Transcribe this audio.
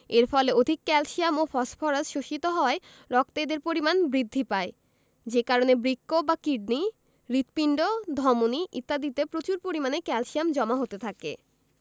এর ফলে অধিক ক্যালসিয়াম ও ফসফরাস শোষিত হওয়ায় রক্তে এদের পরিমাণ বৃদ্ধি পায় যে কারণে বৃক্ক বা কিডনি হৃৎপিণ্ড ধমনি ইত্যাদিতে প্রচুর পরিমাণে ক্যালসিয়াম জমা হতে থাকে